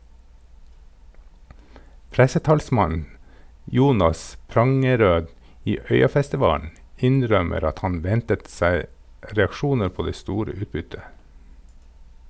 Pressetalsmann Jonas Prangerød i Øyafestivalen innrømmer at han ventet seg reaksjoner på det store utbyttet.